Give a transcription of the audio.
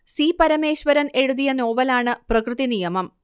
C Parameswaran എഴുതിയ നോവലാണ് പ്രകൃതിനിയമം